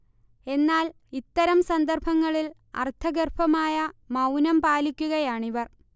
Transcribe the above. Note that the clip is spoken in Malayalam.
എന്നാൽ ഇത്തരം സന്ദർഭങ്ങളിൽ അർത്ഥഗർഭമായ മൗനം പാലിക്കുകയാണിവർ